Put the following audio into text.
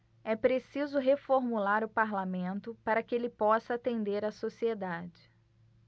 é preciso reformular o parlamento para que ele possa atender a sociedade